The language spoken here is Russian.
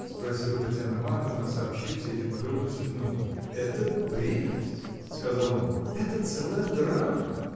— спросила Татьяна Марковна, сообщив все эти подробности внуку. — Это прелесть! — сказал он. — Это целая драма!